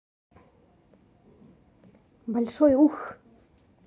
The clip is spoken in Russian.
большой ух